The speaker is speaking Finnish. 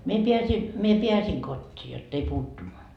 minä pääsin minä pääsin kotiin jotta ei puuttunut